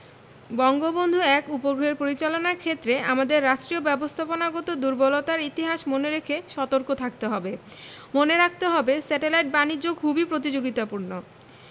বঙ্গবন্ধু ১ উপগ্রহের পরিচালনার ক্ষেত্রে আমাদের রাষ্ট্রীয় ব্যবস্থাপনাগত দূর্বলতার ইতিহাস মনে রেখে সতর্ক থাকতে হবে মনে রাখতে হবে স্যাটেলাইট বাণিজ্য খুবই প্রতিযোগিতাপূর্ণ